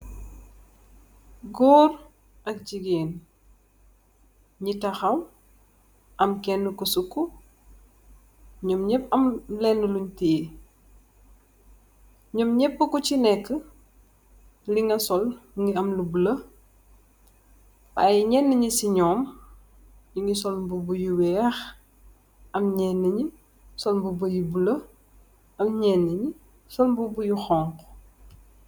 Goor ak jegain nu tahaw am kena ku suku num nyep am lene lun teye num nyepu kuse neke lega sol muge am lu bluelo y nyenenyese num nuge sol muba yu weehe am nyenenye sol muba yu bluelo am nyenenye sol mubu yu hauha.